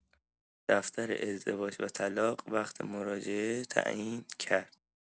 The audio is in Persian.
دفتر ازدواج و طلاق وقت مراجعه تعیین کرد.